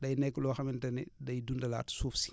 day nekk loo xamante ni day dundalaat suuf si